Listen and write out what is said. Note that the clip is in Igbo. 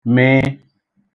mịi